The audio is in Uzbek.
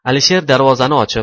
alisher darvozani ochib